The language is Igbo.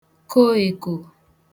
ko eko